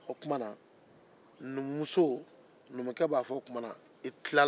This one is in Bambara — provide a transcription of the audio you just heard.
o tuma na numuso numukɛ o tuma na